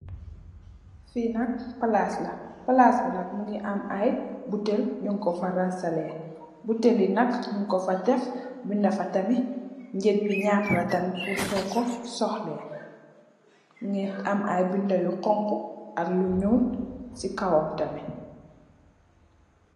Fii nak palassla. Palass bi nak mungi ammo ayy butel nyinkofa ransaleh. Buttelyi nak yingkofa deff bindafa tamit njek bi nyatala tamit purr soko sohleh. Mingi am ayy binda yu xonxu ak lu nyul si kawam tamit.